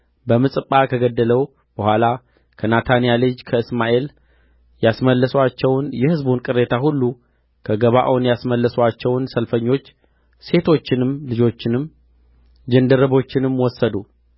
በምጽጳ ከገደለው በኋላ ከናታንያ ልጅ ከእስማኤል ያስመለሱአቸውን የሕዝቡን ቅሬታ ሁሉ ከገባዖን ያስመለሱአቸውን ሰልፈኞች ሴቶችንም ልጆችንም ጃንደረቦችንም ወሰዱ